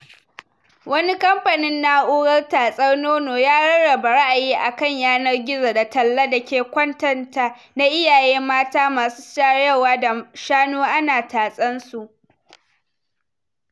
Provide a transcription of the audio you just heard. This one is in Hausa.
Wani kamfanin Nau’rar tatsar nono ya rarraba ra'ayi a kan yanar gizo da talla dake kwatanta na iyaye mata masu shayarwa da shanu ana tatsan su.